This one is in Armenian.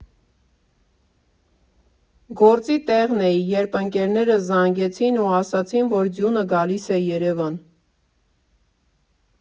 Գործի տեղն էի, երբ ընկերներս զանգեցին ու ասացին, որ ձյունը գալիս է Երևան։